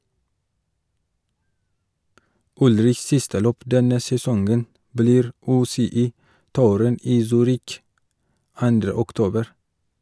Ullrichs siste løp denne sesongen blir UCI-touren i Zürich 2. oktober.